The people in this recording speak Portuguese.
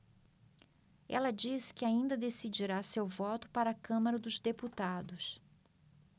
ela disse que ainda decidirá seu voto para a câmara dos deputados